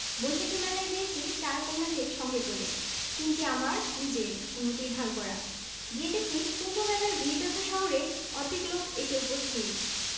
বৈশাখী মেলায় গিয়েছি চার কন্যাকে সঙ্গে করে তিনটি আমার নিজের অন্যটি ধার করা গিয়ে দেখি কুম্ভমেলার ভিড় ঢাকা শহরের অর্ধেক লোক এসে উপস্থিত